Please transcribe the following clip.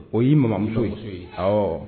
O ye mamuso ye su hɔ